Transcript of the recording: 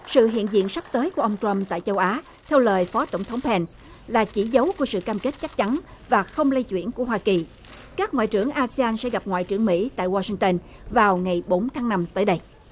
sự hiện diện sắp tới của ông troăm tại châu á theo lời phó tổng thống pen là chỉ dấu của sự cam kết chắc chắn và không lay chuyển của hoa kỳ các ngoại trưởng a si an sẽ gặp ngoại trưởng mỹ tại goa sinh tơn vào ngày bốn tháng năm tới đây